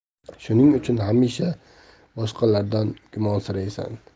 shuning uchun hamisha boshqalardan gumonsiraysan